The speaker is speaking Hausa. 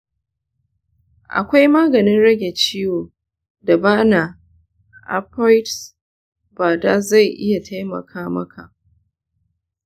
akwai maganin rage ciwo da ba na opioids ba da zai iya taimaka maka.